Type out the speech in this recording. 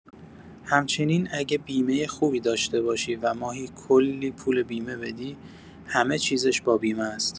همچنین اگه بیمه خوب داشته باشی و ماهی کلی پول بیمه بدی، همه چیزش با بیمه است.